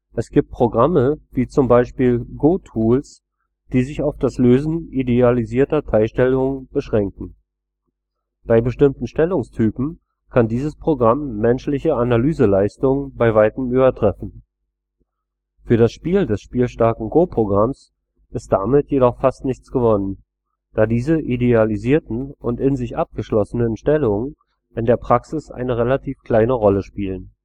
Es gibt Programme, wie zum Beispiel GoTools, die sich auf das Lösen idealisierter Teilstellungen beschränken. Bei bestimmten Stellungstypen kann dieses Programm menschliche Analyseleistungen bei weitem übertreffen. Für das Ziel des spielstarken Go-Programms ist damit jedoch fast nichts gewonnen, da diese idealisierten und in sich abgeschlossenen Stellungen in der Praxis eine relativ kleine Rolle spielen